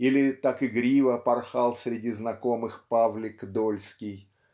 Или так игриво порхал среди знакомых Павлик Дольский